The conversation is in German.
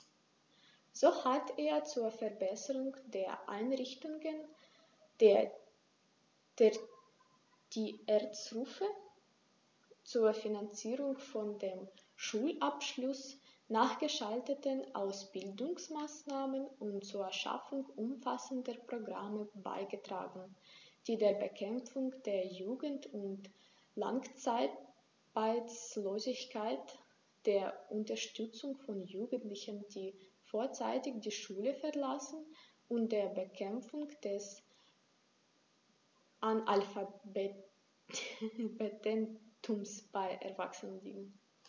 So hat er zur Verbesserung der Einrichtungen der Tertiärstufe, zur Finanzierung von dem Schulabschluß nachgeschalteten Ausbildungsmaßnahmen und zur Schaffung umfassender Programme beigetragen, die der Bekämpfung der Jugend- und Langzeitarbeitslosigkeit, der Unterstützung von Jugendlichen, die vorzeitig die Schule verlassen, und der Bekämpfung des Analphabetentums bei Erwachsenen dienen.